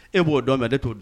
E b'o dɔn mɛn ne t'o